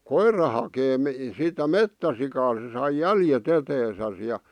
koira hakee - sitä metsäsikaa se sai jäljet eteensä ja